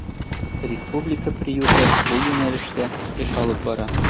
Республика приюты бу юнәлештә эш алып бара.